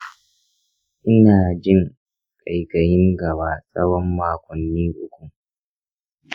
ina jin ƙaiƙayin gaba tsawon makonni uku.